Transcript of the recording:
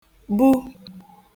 -bu